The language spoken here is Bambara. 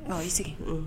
I sigi